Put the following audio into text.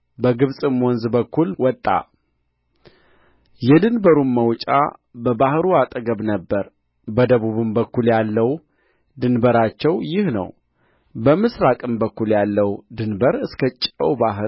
በግብፅም ወንዝ በኩል ወጣ የድንበሩም መውጫ በባሕሩ አጠገብ ነበረ በደቡብ በኩል ያለው ድንበራቸው ይህ ነው በምሥራቅም በኩል ያለው ድንበር እስከ ጨው ባሕር